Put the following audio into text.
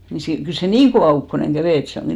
niin - kyllä se niin kova ukkonen kävi että se onkin